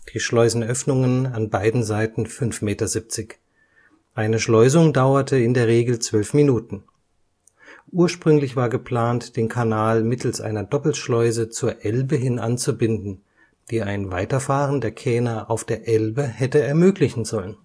die Schleusenöffnungen an beiden Seiten 5,70 Meter. Eine Schleusung dauerte in der Regel 12 Minuten. Ursprünglich war geplant, den Kanal mittels einer Doppelschleuse zur Elbe hin anzubinden, die ein Weiterfahren der Kähne auf der Elbe hätte ermöglichen sollen